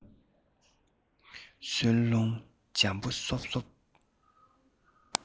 གསོ རླུང འཇམ པོ སོབ སོབ